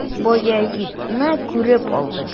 Баязитны күреп алдык.